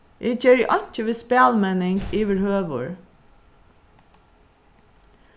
eg geri einki við spælmenning yvirhøvur